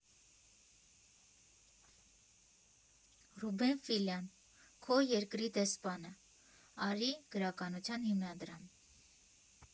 Ռուբեն Ֆիլյան «Քո երկրի դեսպանը», ԱՐԻ գրականության հիմնադրամ։